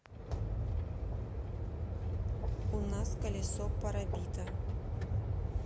у нас колесо парабита